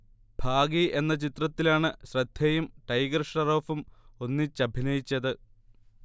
ഭാഗി എന്ന ചിത്രത്തിലാണ് ശ്രദ്ധയും ടൈഗർ ഷ്റോഫും ഒന്നിച്ചഭിനയിച്ചത്